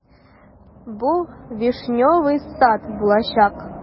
Бу "Вишневый сад" булачак.